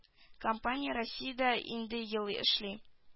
Компания россиядә инде ел эшли